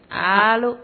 Aallo